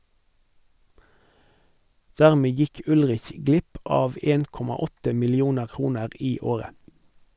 Dermed gikk Ullrich glipp av 1,8 millioner kroner i året.